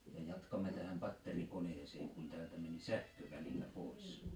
ja jatkamme tähän patterikoneeseen kun täältä meni sähkö välillä pois